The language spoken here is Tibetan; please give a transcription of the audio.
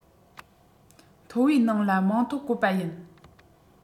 མཐོ བའི ནང ལ མིང ཐོ བཀོད པ ཡིན